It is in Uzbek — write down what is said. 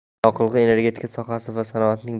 yoqilg'i energetika sohasi va sanoatning